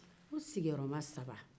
o sigiyɔrɔma saba